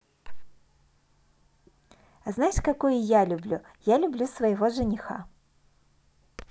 а знаешь какую я люблю я люблю своего жениха